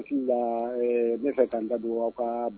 Sisan ne fɛ ka da